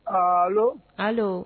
Balo kalo